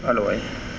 allo oui